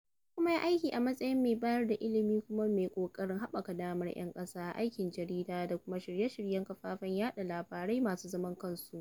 Ya kuma yi aiki a matsayin mai bayar da ilimi kuma mai ƙoƙarin haɓaka damar 'yan ƙasa a aikin jarida da kuma shirye-shiryen kafafen yaɗa labarai masu zaman kansu.